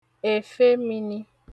èfè mini